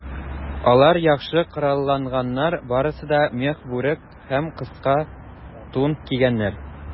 Алар яхшы коралланганнар, барысы да мех бүрек һәм кыска тун кигәннәр.